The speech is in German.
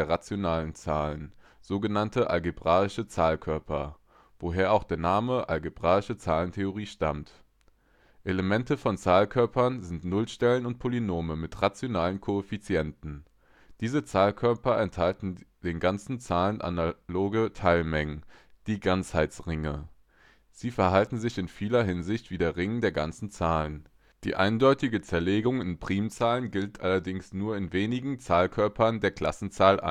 rationalen Zahlen, sogenannte algebraische Zahlkörper (woher auch der Name algebraische Zahlentheorie stammt). Elemente von Zahlkörpern sind Nullstellen von Polynomen mit rationalen Koeffizienten. Diese Zahlkörper enthalten den ganzen Zahlen analoge Teilmengen, die Ganzheitsringe. Sie verhalten sich in vieler Hinsicht wie der Ring der ganzen Zahlen. Die eindeutige Zerlegung in Primzahlen gilt allerdings nur noch in wenigen Zahlkörpern der Klassenzahl